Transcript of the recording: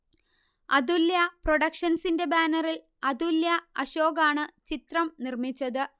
അതുല്യ പ്രൊഡക്ഷൻസിന്റെ ബാനറിൽ അതുല്യ അശോകാണ് ചിത്രം നിർമ്മിച്ചത്